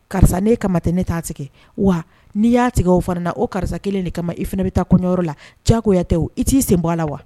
Karisa ne e kama tɛ ne t'a tigɛ wa n'i y'a tigɛ o fana na o karisa 1 de kama i fana bɛ taa kɔɲɔyɔrɔ la jaagoya tɛ o i t'i sen bɔ a la wa